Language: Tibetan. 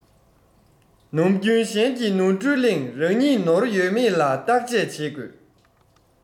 ནམ རྒྱུན གཞན གྱི ནོར འཁྲུལ གླེང རང ཉིད ནོར ཡོད མེད ལ བརྟག དཔྱད བྱེད དགོས